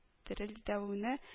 Дерелдәүне